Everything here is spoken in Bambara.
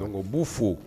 Karamɔgɔ' fo